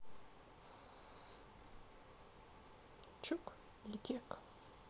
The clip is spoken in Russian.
чук и гек